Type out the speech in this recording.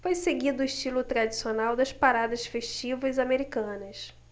foi seguido o estilo tradicional das paradas festivas americanas